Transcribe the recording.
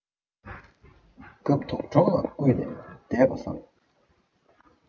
སྐབས ཐོག གྲོགས ལ བཀུག ནས བསྡད པ བཟང